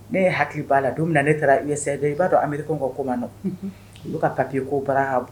Ne ye hakili b'a la don ne taara i ye sɛ bɛɛ i b'a dɔn an bɛri ka koman na i y'o ka papi ko barahabu